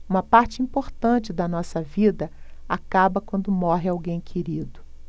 uma parte importante da nossa vida acaba quando morre alguém querido